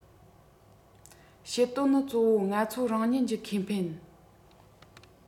བྱེད དོན ནི གཙོ བོ ང ཚོ རང ཉིད ཀྱི ཁེ ཕན